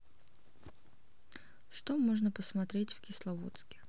что можно посмотреть в кисловодске